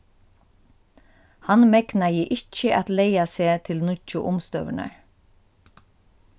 hann megnaði ikki at laga seg til nýggju umstøðurnar